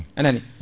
anani